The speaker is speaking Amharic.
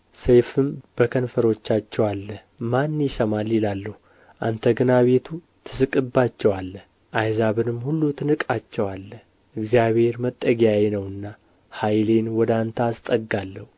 ሰይፍም በከንፈሮቻቸው አለ ማን ይሰማል ይላሉ አንተ ግን አቤቱ ትሥቅባቸዋለህ አሕዛብንም ሁሉ ትንቃቸዋለህ እግዚአብሔር መጠጊያዬ ነውና ኃይሌን ወደ አንተ አስጠጋለሁ